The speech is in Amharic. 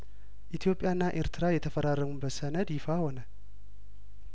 ኢትዮጵያና ኤርትራ የተፈራረሙበት ሰነድ ይፋ ሆነ